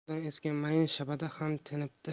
tog'dan esgan mayin shaboda ham tinibdi